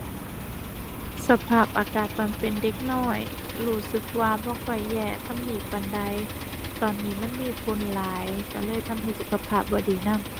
สภาพอากาศตอนเป็นเด็กน้อย รู้สึกว่าบ่ค่อยแย่ส่ำนี้ปานใด ตอนนี้มันมีฝุ่นหลายก็เลยทำให้สุขภาพบ่ดีนำ